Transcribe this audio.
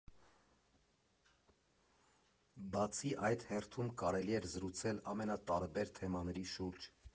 Բացի այդ, հերթում կարելի էր զրուցել ամենատարբեր թեմաների շուրջ.